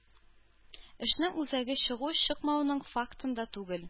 Эшнең үзәге чыгу-чыкмауның фактында түгел.